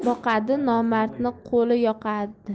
nomard qo'li yoqada